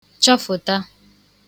chọfụ̀ta